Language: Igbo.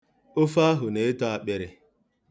Ofe ahụ na-eto akpịrị.